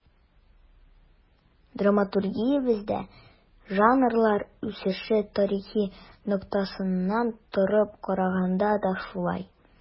Драматургиябездә жанрлар үсеше тарихы ноктасынан торып караганда да шулай.